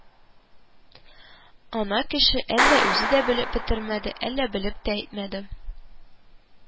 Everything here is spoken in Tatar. Ана кеше әллә үзе дә белеп бетермәде, әллә белеп тә әйтмәде,